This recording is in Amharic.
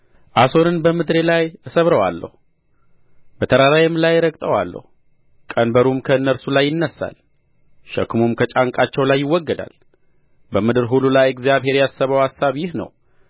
አሦርን በምድሬ ላይ እሰብረዋለሁ በተራራዬም ላይ እረግጠዋለሁ ቀንበሩም ከእነርሱ ላይ ይነሣል ሸክሙም ከጫንቃቸው ላይ ይወገዳል በምድር ሁሉ ላይ እግዚአብሔር ያሰበው አሳብ ይህ ነው